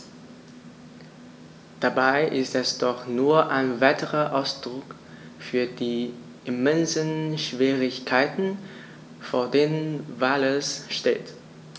Dabei ist es doch nur ein weiterer Ausdruck für die immensen Schwierigkeiten, vor denen Wales steht.